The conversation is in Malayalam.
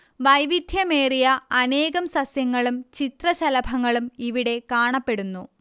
വൈവിദ്ധ്യമേറിയ അനേകം സസ്യങ്ങളും ചിത്രശലഭങ്ങളും ഇവിടെ കാണപ്പെടുന്നു